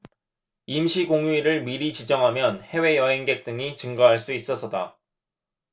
임시공휴일을 미리 지정하면 해외 여행객 등이 증가할 수 있어서다